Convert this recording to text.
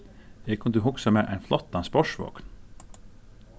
eg kundi hugsað mær ein flottan sportsvogn